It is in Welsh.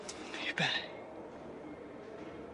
I be'?